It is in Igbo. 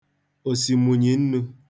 osimunyi nnū